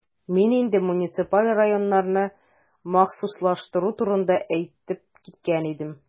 Мин инде муниципаль районнарны махсуслаштыру турында әйтеп киткән идем.